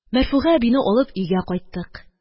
Мәрфуга әбине алып, өйгә кайттык.